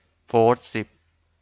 โฟธสิบ